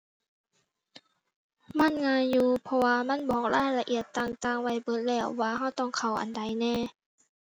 มันง่ายอยู่ เพราะว่ามันบอกรายละเอียดต่างต่างไว้เบิดแล้ว ว่าเราต้องเข้าอันใดแหน่